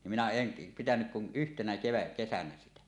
niin minä en pitänyt kuin yhtenä kevätkesänä sitä